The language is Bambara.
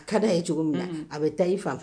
A ka da a ye cogo min a bɛ taa i fan fɔ